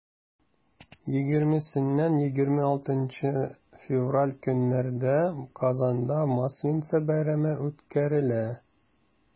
20-26 февраль көннәрендә казанда масленица бәйрәме үткәрелә.